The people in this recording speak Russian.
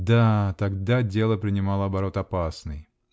да, тогда дело принимало оборот опасный.